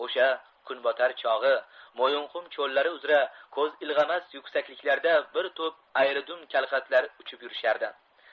osha kunbotar chog'i mo'yinqum cho'llari uzra ko'z ilg'amas yuksaklarda bir to'p ayridum kalxatlar uchib yurishardi